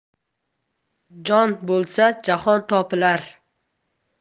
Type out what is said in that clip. jon bo'lsa jahon topilar